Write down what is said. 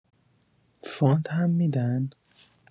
فاند هم می‌دن؟